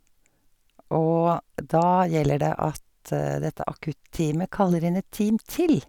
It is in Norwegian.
Og da gjelder det at dette akutt-teamet kaller inn et team til.